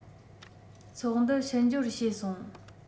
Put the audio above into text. ཚོགས འདུར ཕྱི འབྱོར བྱས སོང